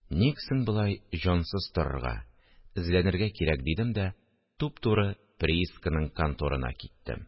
«ник соң болай җансыз торырга, эзләнергә кирәк...» дидем дә туп-туры приисканың конторына киттем